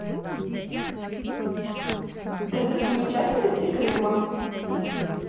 достопримечательности крыма